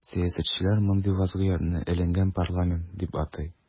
Сәясәтчеләр мондый вазгыятне “эленгән парламент” дип атый.